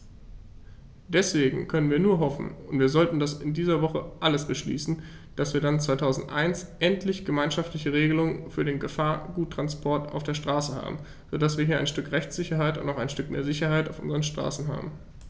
Deswegen können wir nur hoffen - und wir sollten das in dieser Woche alles beschließen -, dass wir dann 2001 endlich gemeinschaftliche Regelungen für den Gefahrguttransport auf der Straße haben, so dass wir hier ein Stück Rechtssicherheit und auch ein Stück mehr Sicherheit auf unseren Straßen haben.